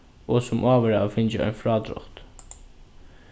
og sum áður hava fingið ein frádrátt